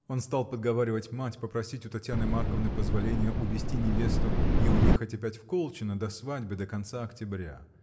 Он стал подговаривать мать попросить у Татьяны Марковны позволения увезти невесту и уехать опять в Колчино до свадьбы, до конца октября.